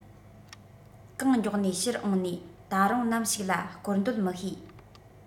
གང མགྱོགས ནས ཕྱིར འོང ནས ད རུང ནམ ཞིག ལ བསྐོར འདོད མི ཤེས